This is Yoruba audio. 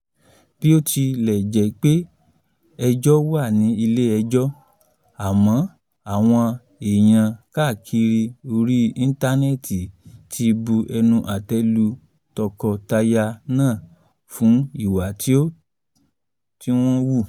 Bí ó tilẹ̀ jẹ́ pé ejọ́ wà ní ilé-ẹjọ́, àmọ́ àwọn èèyàn káàkiri orí íntánẹ́ẹ́tì ti bu ẹnu àtẹ́ lu tọkọtaya náà fún ìwà t’ọ́n wù.